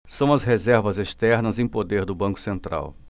são as reservas externas em poder do banco central